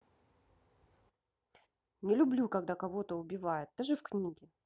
не люблю когда кого то убивает даже в книге